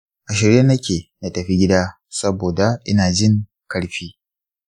a shirye nake na tafi gida saboda inajin karfi.